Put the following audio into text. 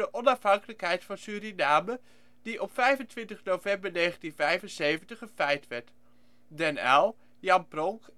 onafhankelijkheid van Suriname, die op 25 november 1975 een feit werd. Den Uyl, Jan Pronk en